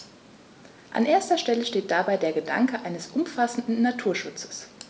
An erster Stelle steht dabei der Gedanke eines umfassenden Naturschutzes.